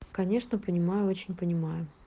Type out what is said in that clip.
конечно понимаю очень понимаю